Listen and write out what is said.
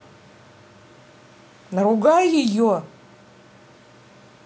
наругай ее